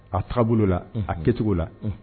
A taabolola a kɛcogo la